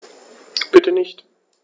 Bitte nicht.